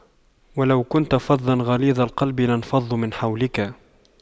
وَلَو كُنتَ فَظًّا غَلِيظَ القَلبِ لاَنفَضُّواْ مِن حَولِكَ